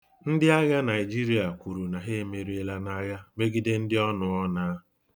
Ndị agha Naijiria kwuru na ha emeriela n'agha megide ndị ọnụọọnaa.